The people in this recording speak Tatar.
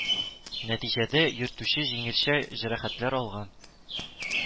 Нәтиҗәдә, йөртүче җиңелчә җәрәхәтләр алган